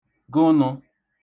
gụn